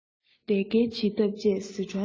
ལས ཀའི བྱེད ཐབས བཅས སི ཁྲོན དང